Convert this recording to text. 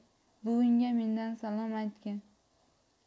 buvingga mendan salom aytgin